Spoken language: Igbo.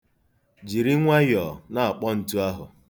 Jiri nwayọọ na-akpọ ntụ ahụ?